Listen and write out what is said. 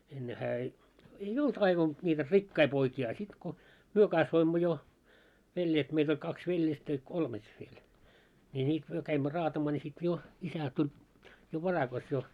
ennen hän ei ei ollut aivan niitä rikkaita poikia - sitten kun me kasvoimme jo veljet meitä oli kaksi veljestä ja kolmet vielä niin niin me kävimme raatamaan niin sitten jo isä tuli jo varakas jo